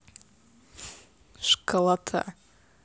школота